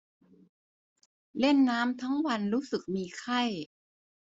เล่นน้ำทั้งวันรู้สึกมีไข้